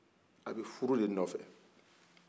a bi furu de nɔ fɛ